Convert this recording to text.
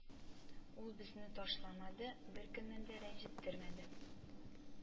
Ул безне ташламады, беркемнән дә рәнҗеттермәде